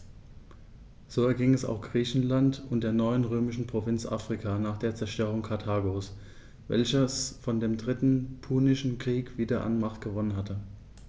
So erging es auch Griechenland und der neuen römischen Provinz Afrika nach der Zerstörung Karthagos, welches vor dem Dritten Punischen Krieg wieder an Macht gewonnen hatte.